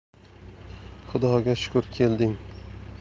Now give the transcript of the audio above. xudoga shukr kelding